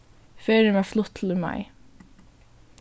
ferðin varð flutt til í mai